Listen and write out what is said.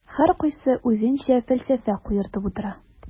Һәркайсы үзенчә фәлсәфә куертып утыра.